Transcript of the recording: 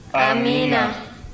amiina